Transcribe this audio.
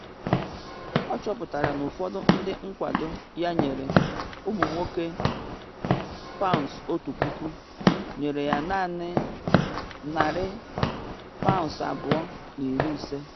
Ọ chọpụtara na ụfọdụ ndị nkwado ya nyere ụmụ nwoke $1000 nyere ya naanị $250.